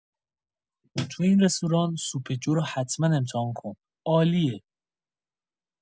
تو این رستوران، سوپ جو رو حتما امتحان کن؛ عالیه!